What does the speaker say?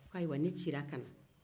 a yiwa ne cira ka na